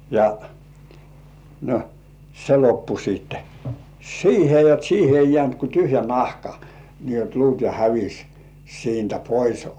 ja no se loppui sitten siihen jotta siihen ei jäänyt kuin tyhjä nahka niin jotta luut ja hävisi siitä pois